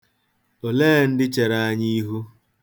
Olee ndị chere anyị ihu?